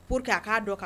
Pour que a k'a dɔn kan